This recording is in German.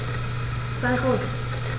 Sei ruhig.